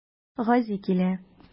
Гази килә.